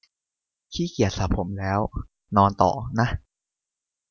ขี้เกียจสระผมแล้วนอนต่อนะ